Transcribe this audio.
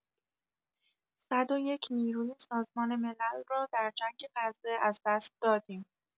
۱۰۱ نیروی سازمان ملل را در جنگ غزه از دست دادیم.